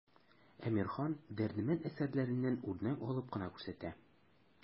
Әмирхан, Дәрдемәнд әсәрләреннән үрнәк алып кына күрсәтә.